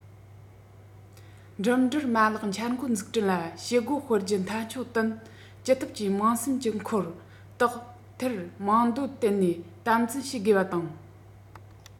འགྲིམ འགྲུལ མ ལག འཆར འགོད འཛུགས སྐྲུན ལ བྱེད སྒོ སྤེལ རྒྱུ མཐའ འཁྱོངས བསྟུན ཅི ཐུབ ཀྱིས དམངས སེམས ཀྱི འཁོར དག ཐེར དམངས འདོད དེད ནས དམ འཛིན བྱེད དགོས པ དང